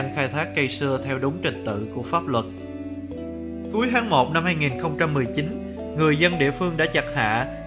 khai thác cây sưa theo đúng trình tự pháp luật cuối tháng người dân địa phương đã chặt hạ khai thác cây sưa đỏ quý hiếm